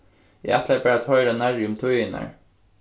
eg ætlaði bara at hoyra nærri um tíðirnar